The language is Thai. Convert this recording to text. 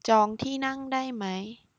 จองที่นั่งได้ไหม